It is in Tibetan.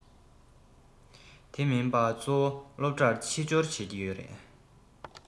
དེ མིན པ གཙོ བོ སློབ གྲྭར ཕྱི འབྱོར བྱེད ཀྱི ཡོད རེད